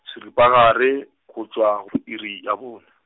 seripagare, go tšwa, go iri ya bone.